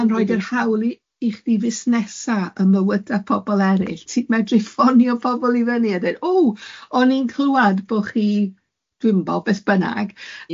Mae'n rhoid yr hawl i i chdi fusnesa yn mywydau pobl eraill, ti'n medru ffonio pobl i fyny a deud, w, o'n i'n clywed bo' chi dwi'm bo beth bynnag.